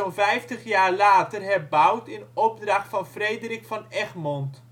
vijftig jaar later herbouwd in opdracht van Frederik van Egmond